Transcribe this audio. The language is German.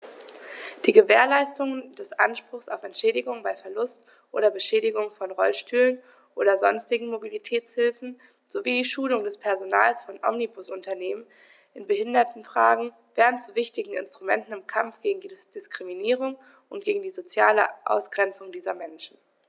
Die Gewährleistung des Anspruchs auf Entschädigung bei Verlust oder Beschädigung von Rollstühlen oder sonstigen Mobilitätshilfen sowie die Schulung des Personals von Omnibusunternehmen in Behindertenfragen werden zu wichtigen Instrumenten im Kampf gegen Diskriminierung und gegen die soziale Ausgrenzung dieser Menschen.